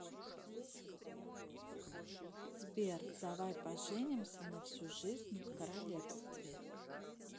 сбер давай поженимся на всю жизнь в королевстве